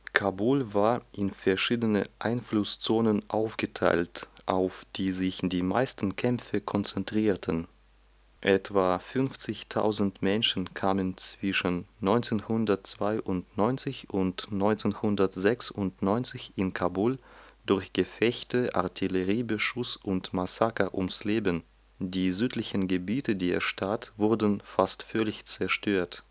Kabul war in verschiedene Einflusszonen aufgeteilt, auf die sich die meisten Kämpfe konzentrierten. Etwa 50 000 Menschen kamen zwischen 1992 und 1996 in Kabul durch Gefechte, Artilleriebeschuss und Massaker ums Leben, die südlichen Gebiete der Stadt wurden fast völlig zerstört